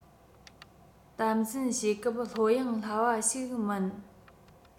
དམ འཛིན བྱེད སྐབས ལྷོད གཡེང སླ བ ཞིག མིན